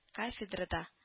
Кафедрада